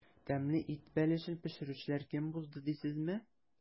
Тәмле ит бәлешен пешерүчеләр кем булды дисезме?